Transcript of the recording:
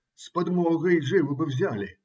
С подмогой живо бы взяли.